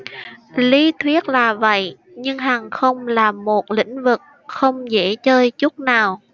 lý thuyết là vậy nhưng hàng không là một lĩnh vực không dễ chơi chút nào